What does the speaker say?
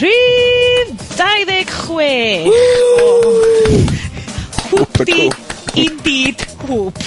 ...rhif dau ddeg chwech. Www. Hoop di indeed hoop.